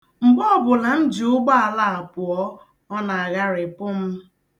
Mgbe ọbụla m ji ụgbọala a pụọ, ọ na-agharịpụ m.